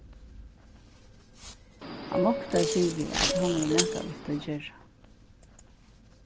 hann noktaði fyri at hann hevði nakað við tað at gera